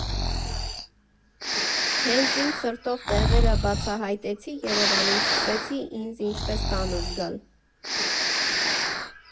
Հենց իմ սրտով տեղերը բացահայտեցի Երևանում, սկսեցի ինձ ինչպես տանը զգալ։